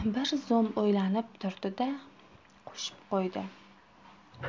u bir zum o'ylanib turdi da qo'shib qo'ydi